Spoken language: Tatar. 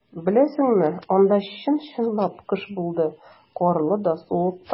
Беләсеңме, анда чын-чынлап кыш булды - карлы да, суык та.